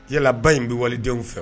Yalalaba in bɛ waledenw fɛ